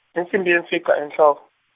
insimbi yemfica enhloko.